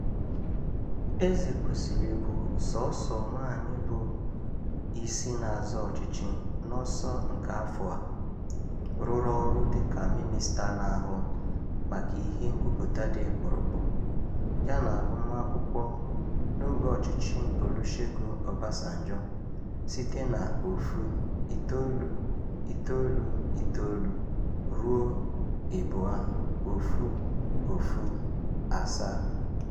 Ezekwesili, bụ sọọsọ nwaanyị bụ isi na-azọ ọchịchị n'ọsọ nke afọ a, rụrụ ọrụ dịka mịnịsta na-ahụ maka ihe ngwupụta dị kpụrụkpụ yana agụmakwụkwọ n'oge ọchịchị Olusegun Obasanjo site na 1999 ruo 2007.